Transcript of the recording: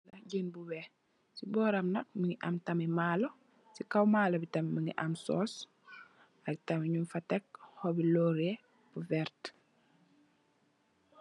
Jen bu wehex ci buram mu gi amhe tame mbalo ci kaw mbalo bi mu gi amhe tame soucs Loriya bu warrte.